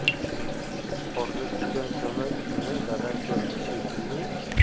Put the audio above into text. qorda tushgan ko'mir izini dadam ko'ribdi shekilli